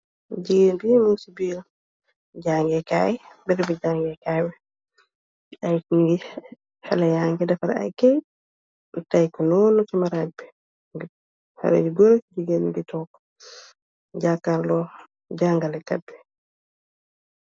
behremi jangeih kai, haleh yii nyewgeih tokk .